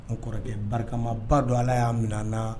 N kɔrɔkɛ barikamaba don ala y'a min na